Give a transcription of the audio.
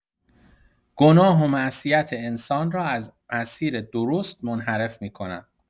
گناه و معصیت انسان را از مسیر درست منحرف می‌کند.